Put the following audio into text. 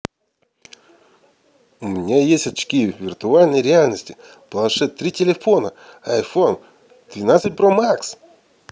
у меня есть очки виртуальной реальности планшет три телефона iphone двенадцать pro max